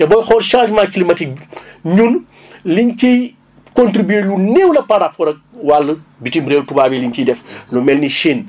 te booy xool changement climatique bi ñun liñ ciy contribué lu néew la par rapport ak wàll bittim réew tubaab yi liñ ciy def lu mel ni Chine